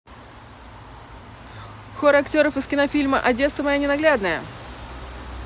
хор актеров из кинофильма одесса моя ненаглядная